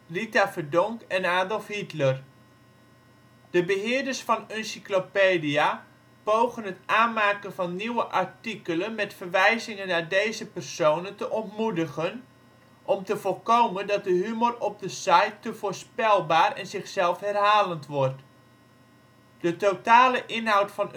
Rita Verdonk en Adolf Hitler. De beheerders van Uncyclopedia pogen het aanmaken van nieuwe artikelen met verwijzingen naar deze personen te ontmoedigen, om te voorkomen dat de humor op de site te voorspelbaar en zichzelf herhalend wordt. De totale inhoud van